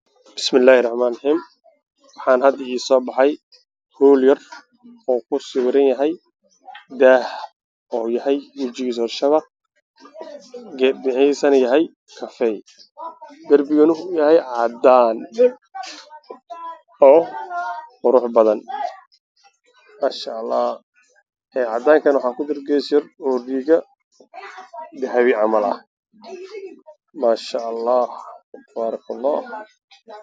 Waa qol waxaa yaalo sariir darbi daah ayaan ku xiran korna waa cadaan leer yaa daraan